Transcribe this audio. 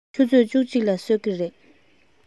ཆུ ཚོད བཅུ གཅིག ལ གསོད ཀྱི རེད